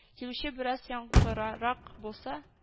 Килүче бераз аңгырарак булса